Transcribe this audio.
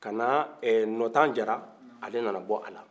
kana ɲɔnta jara ale na na bɔ a la